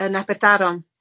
yn Aberdaron